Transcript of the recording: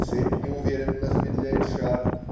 Цепь неуверенно замедляет шаг.